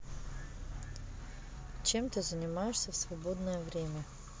чем ты занимаешься в свободное время